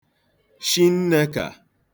shinnē k̀à